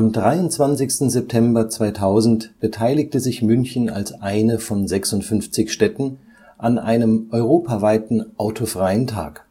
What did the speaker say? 23. September 2000 beteiligte sich München als eine von 56 Städten an einem europaweiten autofreien Tag